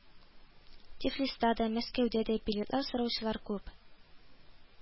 Тифлиста да, Мәскәүдә дә билетлар сораучылар күп